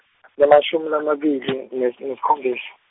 emashumi lamabili nes- nesikhombisa.